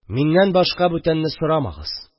Миннән башка бүтәнне сорамагыз!..